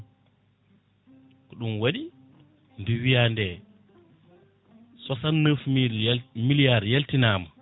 ɗum waɗi nde wiya nde soixante neuf mille milliards :frayaltinama